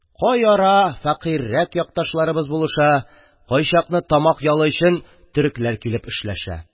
Кай ара фәкыйрьрәк якташларыбыз булыша, кайчакны тамак ялы өчен төрекләр килеп эшләшә...